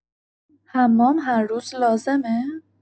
حمام هر روز لازمه؟